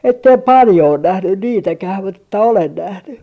että en paljon ole nähnyt niitäkään mutta että olen nähnyt